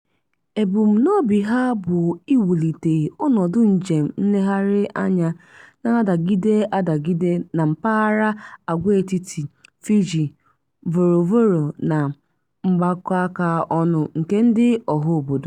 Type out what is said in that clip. Ebumunobi ha bụ iwulite ọnọdụ njem nleghari anya na-adigide adigide na mpaghara agwaetiti Fiji, Vorovoro na mgbakọaka ọnụ nke ndị ọha obdodo,